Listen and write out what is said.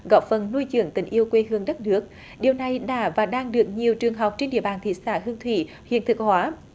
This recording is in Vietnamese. góp phần nuôi dưỡng tình yêu quê hương đất nước điều này đã và đang được nhiều trường học trên địa bàn thị xã hương thủy hiện thực hóa